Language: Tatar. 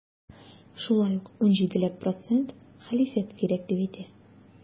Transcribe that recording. Шулай ук 17 ләп процент хәлифәт кирәк дип әйтә.